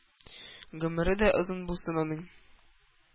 Гомере дә озын булсын аның,